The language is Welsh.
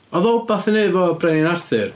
Oedd o rywbeth i wneud efo Brenin Arthur?